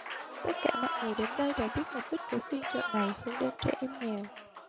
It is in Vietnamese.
tất cả mọi người đến đây đều biết mục đích của phiên chợ này hướng đến trẻ em nghèo